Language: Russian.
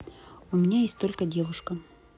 у меня есть только девушка